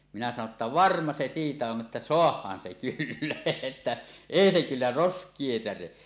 minä sanoin jotta varma se siitä on että saadaan se kyllä että ei se kyllä roskia särje